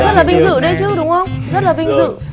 rất là vinh dự ấy chứ đúng không rất là vinh dự